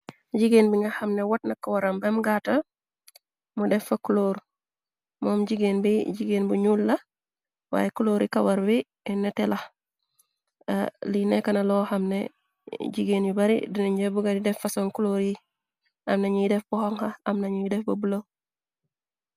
jigéen bi nga xamne wotna kowaram bem gaata mu deffa cloor moom jigéen bi jigeen bu ñuul la waaye cloori kawar wi nete la li nekk na loo xamne jigeen yu bari dina njëb ngari def fa soon cloor yi am nañuy def bu xong am nañuy def ba bulë.